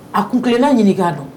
A kun kelen' ɲini'a dɔn